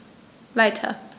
Weiter.